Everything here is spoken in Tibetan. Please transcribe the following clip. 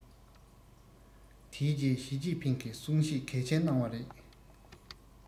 དེ རྗེས ཞིས ཅིན ཕིང གིས གསུང བཤད གལ ཆེན གནང བ རེད